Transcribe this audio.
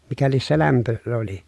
mikä lie se lämpö oli